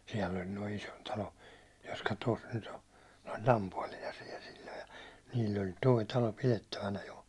siellä oli nuo Isontalon jotka tuossa nyt on ne oli lampuotina siellä silloin ja niillä oli tuo talo pidettävänä jo